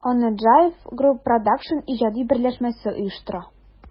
Аны JIVE Group Produсtion иҗади берләшмәсе оештыра.